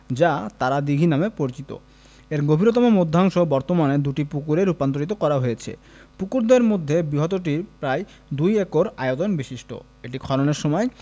যা তারা দিঘি নামে পরিচিত এর গভীরতম মধ্যাংশ বর্তমানে দুটি পুকুরে রূপান্তরিত করা হয়েছে পুকুরদ্বয়ের মধ্যে বৃহত্তরটি প্রায় দুএকর আয়তন বিশিষ্ট এটি খননের সময়